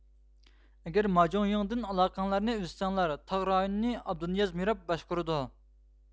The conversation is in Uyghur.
ئەگەر ماجۇڭيىڭدىن ئالاقەڭلارنى ئۈزسەڭلار تاغ رايونىنى ئابدۇنىياز مىراب باشقۇرىدۇ